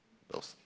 det er oss.